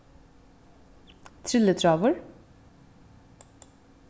trillutráður